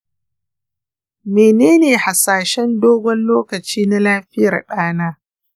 menene hasashen dogon lokaci na lafiyar ɗana?